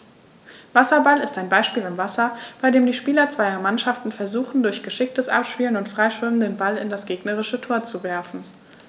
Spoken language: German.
Wasserball ist ein Ballspiel im Wasser, bei dem die Spieler zweier Mannschaften versuchen, durch geschicktes Abspielen und Freischwimmen den Ball in das gegnerische Tor zu werfen.